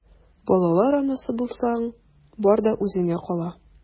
Балалар анасы булсаң, бар да үзеңә кала...